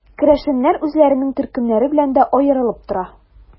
Керәшеннәр үзләренең төркемнәре белән дә аерылып тора.